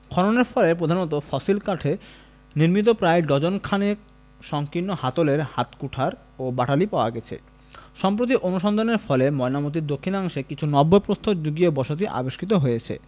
খননের ফলে প্রধানত ফসিল কাঠে নির্মিত প্রায় ডজন খানেক সঙ্কীর্ণ হাতলের হাত কুঠার ও বাটালি পাওয়া গেছে সম্প্রতি অনুসন্ধানের ফলে ময়নামতীর দক্ষিণাংশে কিছু নব্য প্রস্তরযুগীয় বসতি আবিষ্কৃত হয়েছে